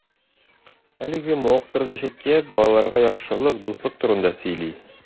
Әлеге мавыктыргыч әкият балаларга яхшылык, дуслык турында сөйли.